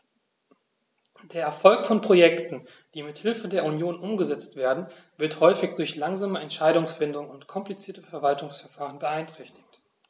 Der Erfolg von Projekten, die mit Hilfe der Union umgesetzt werden, wird häufig durch langsame Entscheidungsfindung und komplizierte Verwaltungsverfahren beeinträchtigt.